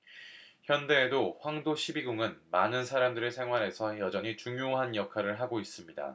현대에도 황도 십이궁은 많은 사람들의 생활에서 여전히 중요한 역할을 하고 있습니다